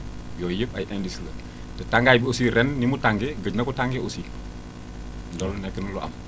yooyu yëpp ay indices la te tàngaay bi aussi ren ni mu tàngee gëj na ko tàngee aussi loolu nekk na lu am